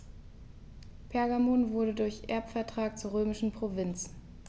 Pergamon wurde durch Erbvertrag zur römischen Provinz.